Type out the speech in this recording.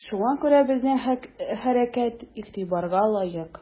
Шуңа күрә безнең хәрәкәт игътибарга лаек.